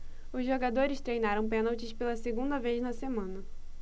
os jogadores treinaram pênaltis pela segunda vez na semana